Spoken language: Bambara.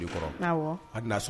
A